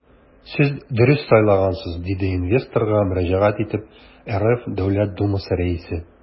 Сез дөрес сайлагансыз, - диде инвесторга мөрәҗәгать итеп РФ Дәүләт Думасы Рәисе.